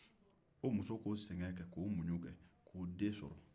o muso ka o sɛgɛn kɛ ka o muɲu kɛ k'o den sɔrɔ